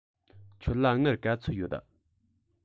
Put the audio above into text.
ཁྱོད ལ དངུལ ག ཚོད ཡོད